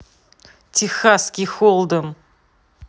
техасский холдем